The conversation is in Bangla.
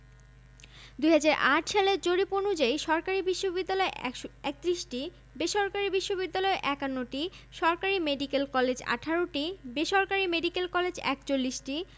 রাখাইন মণিপুরী মুরং ইত্যাদি উল্লেখযোগ্য ধর্ম মুসলমান ৮৮দশমিক ৩ শতাংশ হিন্দু ১০দশমিক ৫ শতাংশ বৌদ্ধ ০ দশমিক ৬ শতাংশ